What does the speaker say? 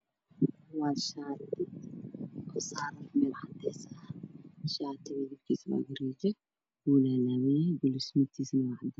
Waxaa ii mooda shaar caddeys ah midabkiisuna waa cadays waa uuna laalaban yahay waxaana ku xiran qolof